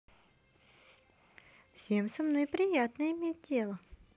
всем со мной приятно иметь дело